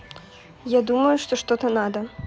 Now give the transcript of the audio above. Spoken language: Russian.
я думаю что что то надо